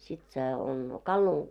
sitten se on -